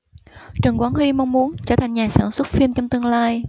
trần quán hy mong muốn trở thành nhà sản xuất phim trong tương lai